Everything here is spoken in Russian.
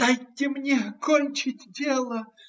Дайте мне кончить дело!